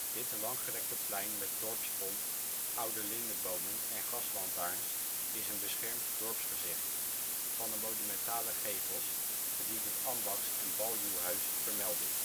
Dit langgerekte plein met dorpspomp, oude lindebomen en gaslantaarns is een beschermd dorpsgezicht: van de monumentale gevels verdient het Ambachts - en Baljuwhuis vermelding